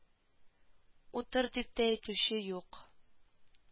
Утыр дип тә әйтүче дә юк